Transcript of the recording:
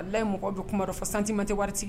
Alye mɔgɔ don kumadɔ fa santi ma tɛ waritigi